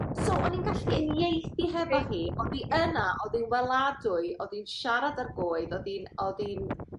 ...so o'n i'n gallu uniaethu hefo hi o'dd 'i yna o'dd 'i'n weladwy o'dd 'i'n siarad ar goedd o'dd 'i'n a o'dd 'i'n